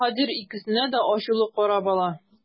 Баһадир икесенә дә ачулы карап ала.